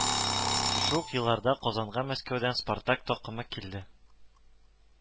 Шушы ук елларда Казанга Мәскәүдән Спартак такымы килде